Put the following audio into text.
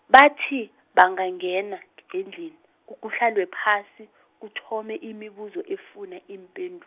bathi, bangangena, ngendlini, kuhlalwe phasi, kuthome imibuzo efuna iimpendu-.